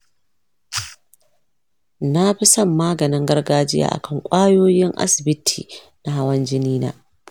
nafi son maganin gargajiya akan ƙwayoyin asibiti na hawan jini na